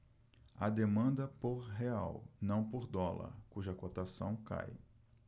há demanda por real não por dólar cuja cotação cai